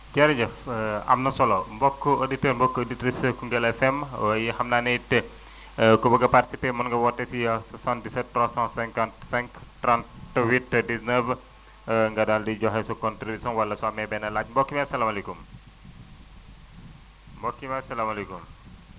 jërëjëf am na solo mbokk auditeurs mbokk auditrices Koungheul FM oui xam naa ne it ku bëgg a participé mën nga woote si 77 355 38 19 nga daal di joxe sa contribution wala soo amee benn laaj mbokk mi asalaamaaleykum mbokk mi asalaamaaleykum